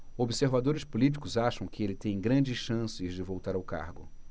observadores políticos acham que ele tem grandes chances de voltar ao cargo